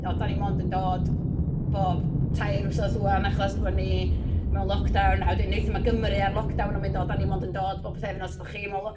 O, dan ni mond yn dod bob tair wsos wan achos bo' ni mewn lockdown a, wedyn weithiau mae Gymru ar lockdown. A mynd, "dan ni 'mond yn dod bob pythefnos achos bo' chi mewn lo-"